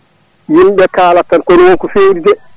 yimɓe kaalata tan kono wonko fewi de